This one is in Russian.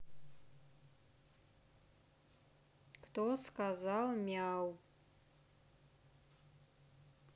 кто сказал мяу